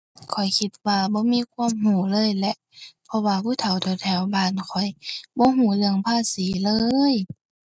ข้อยคิดว่าบ่มีความรู้เลยแหละ เพราะว่าผู้เฒ่าแถวแถวบ้านข้อยบ่รู้เรื่องภาษีเลย